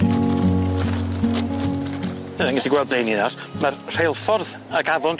'Na fe ni'n gallu gweld ble 'yn ni nawr ma'r rheilffordd ag afon